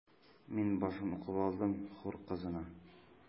Мин башын укып алдым: “Хур кызына”.